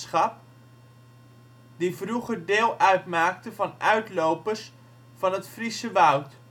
vroeger deel uitmaakten van uitlopers van het Friese Woud